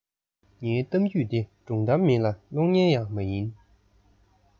ངའི གཏམ རྒྱུད འདི སྒྲུང གཏམ མིན ལ གློག བརྙན ཡང མ ཡིན